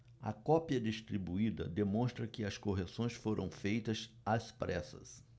a cópia distribuída demonstra que as correções foram feitas às pressas